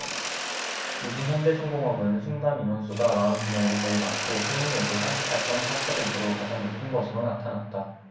이 중 현대중공업은 순감 임원수가 마흔 두 명으로 제일 많고 퇴임률도 삼십 사 쩜 사 퍼센트로 가장 높은 것으로 나타났다